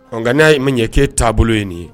Nka nka n'a ye man ɲɛ kɛ taabolo ye nin ye